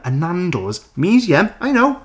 a Nando's medium. I know!